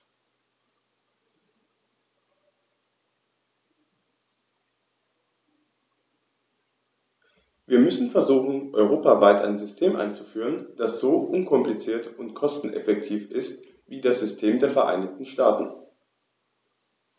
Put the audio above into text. Wir müssen versuchen, europaweit ein System einzuführen, das so unkompliziert und kosteneffektiv ist wie das System der Vereinigten Staaten.